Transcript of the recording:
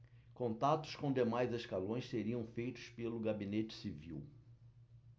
contatos com demais escalões seriam feitos pelo gabinete civil